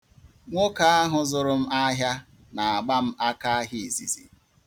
Nwoke ahụ zụrụ m ahịa na-agba m akaahịa izizi?